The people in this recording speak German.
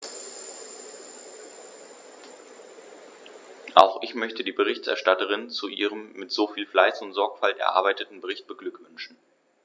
Auch ich möchte die Berichterstatterin zu ihrem mit so viel Fleiß und Sorgfalt erarbeiteten Bericht beglückwünschen.